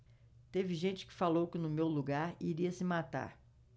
teve gente que falou que no meu lugar iria se matar